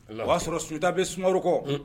O b'a sɔrɔ Sunjatata bɛ Sumaworo kɔ!